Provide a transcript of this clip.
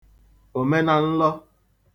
òmenanlọ